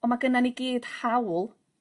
ond ma' gynna ni gyd hawl